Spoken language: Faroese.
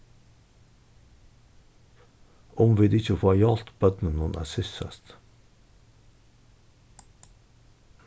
um vit ikki fáa hjálpt børnunum at sissast